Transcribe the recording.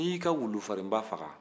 n'i ka wulu farinba faga